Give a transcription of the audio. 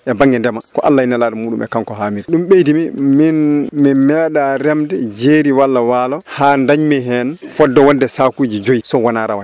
e banggue ndema ko Allah e Nelaɗo muɗum e kanko Hamidou Ly ɗum beydimi min mi me?a remde jeeri walla walo ha dañmi hen fodde wonde sakuji joyyi so wona rawane